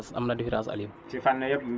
waaw am na différence am na différence Aliou